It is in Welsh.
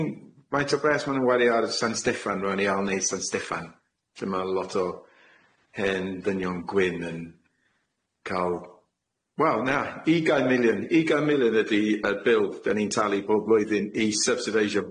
Faint o bres ma' nw'n wario ar San Steffan rwan i ail neud San Steffan lle ma' lot o hen ddynion gwyn yn ca'l wel na ugain miliwn ugain miliwn ydi y bil dyn ni'n talu bob blwyddyn i subsidisio